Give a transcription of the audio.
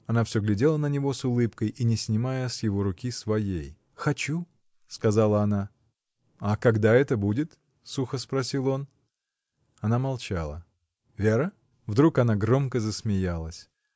Она всё глядела на него с улыбкой и не снимая с его руки своей. — Хочу, — сказала она. — А когда это будет? — сухо спросил он. Она молчала. — Вера? Вдруг она громко засмеялась.